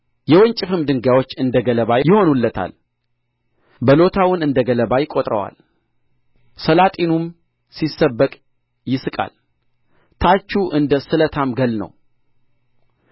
የወንጭፍም ድንጋዮች እንደ ገለባ ይሆኑለታል በሎታውን እንደ ገለባ ይቈጥረዋል ሰላጢኑም ሲሰበቅ ይስቃል ታቹ እንደ ስለታም ገል ነው